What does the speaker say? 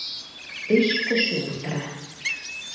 Өч кеше утыра.